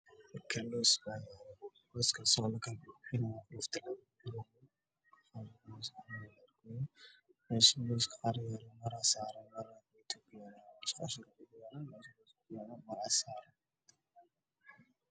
Halkaan waxaa yaalo loos